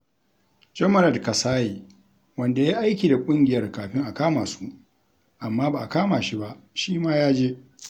Jomaneɗ Kasaye, wanda ya yi aiki da ƙungiyar kafin a kama su (amma ba a kama shi ba) shi ma ya je.